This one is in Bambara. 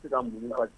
Se ka mun na